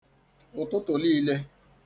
ụ̀tụtụ liìle